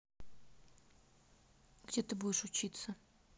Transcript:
а где ты будешь учиться